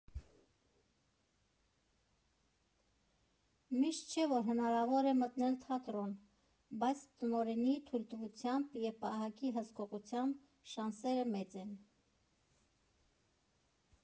Միշտ չէ, որ հնարավոր է մտնել թատրոն, բայց տնօրենի թույլտվությամբ և պահակի հսկողությամբ շանսերը մեծ են։